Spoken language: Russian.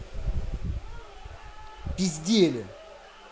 пиздели